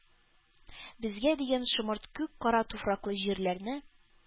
Безгә дигән шомырт күк кара туфраклы җирләрне,